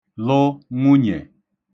lụ nwunyè